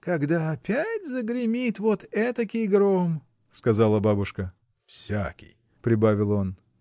— Когда опять загремит вот этакий гром. — сказала бабушка. — Всякий! — прибавил он.